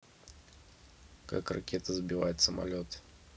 как ракета сбивает самолет